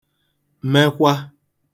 mekwa